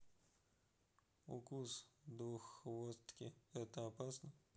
укус двухвостки это опасно